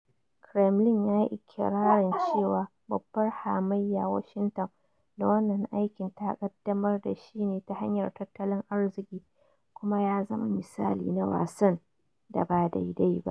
Kremlin ya yi ikirarin cewa babbar hamayya Washington da wannan aikin ta kaddamar da shi ne ta hanyar tattalin arziki kuma ya zama misali na wasan da ba daidai ba.